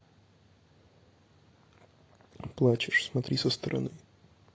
плачешь смотри со стороны